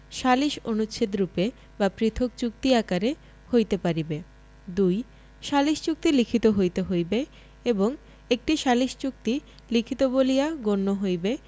সালিস অনুচ্ছেদরূপে বা পৃথক চুক্তি আকারে হইতে পারিবে ২ সালিস চুক্তি লিখিত হইতে হইবে এবং একটি সালিস চুক্তি লিখিত বলিয়া গণ্য হইবে